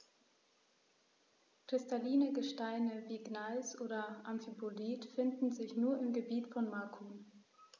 Kristalline Gesteine wie Gneis oder Amphibolit finden sich nur im Gebiet von Macun.